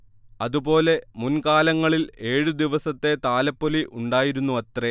അതുപോലെ മുൻ കാലങ്ങളിൽ ഏഴ് ദിവസത്തെ താലപ്പൊലി ഉണ്ടായിരുന്നുവത്രെ